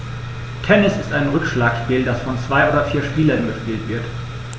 Tennis ist ein Rückschlagspiel, das von zwei oder vier Spielern gespielt wird.